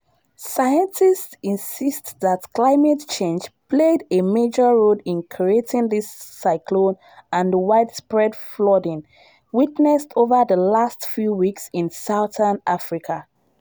Scientists insist that climate change played a major role in creating this cyclone and the widespread flooding witnessed over the last few weeks in southern Africa.